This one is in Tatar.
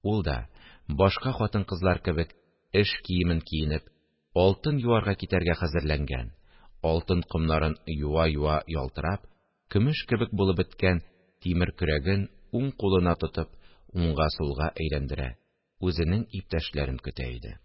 Ул да, башка хатын-кызлар кебек, эш киемен киенеп, алтын юарга китәргә хәзерләнгән, алтын комнарын юа-юа ялтырап, көмеш кебек булып беткән тимер көрәген уң кулына тотып, уңга-сулга әйләндерә, үзенең иптәшләрен көтә иде